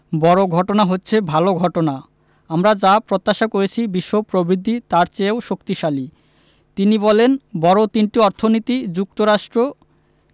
বড় ঘটনা হচ্ছে ভালো ঘটনা আমরা যা প্রত্যাশা করেছি বিশ্ব প্রবৃদ্ধি তার চেয়েও শক্তিশালী তিনি বলেন বড় তিনটি অর্থনীতি যুক্তরাষ্ট্র